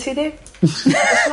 ...ti 'di? ...